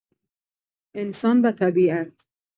انسان و طبیعت